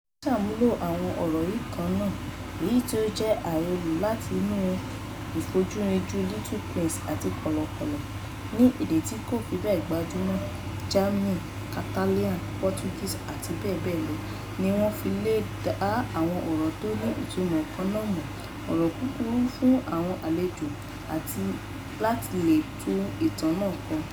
Ṣíṣàmúlò àwọn ọ̀rọ̀ yìí kan náà(èyí tó jẹ́ àyọlọ̀ láti inú ìfojúrinjú Little Prince àti Kọ̀lọ̀kọ̀lọ̀) ní èdè tí kò fi bẹ́ẹ̀ gbajúmọ̀ (German, Catalan, Portuguese, abbl) ni wọ́n fi lè dá àwọn ọ̀rọ̀ tó ní ìtumò kan náà mọ̀, ọ̀rọ̀ kúkúrú fún àwọn àlejò, àti láti lè tún ìtàn náà kọ.